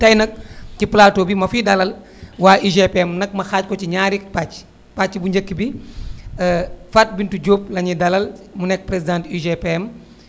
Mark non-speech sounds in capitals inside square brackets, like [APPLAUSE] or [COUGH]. tey nag ci plateau bi ma fiy dalal [NOISE] waa UGPM nag ma xaaj ko ci ñaari pàcc pàcc bu njëkk bi [HESITATION] Fatou Binetou Diop la ñuy dalal mu nekk présidente UGPM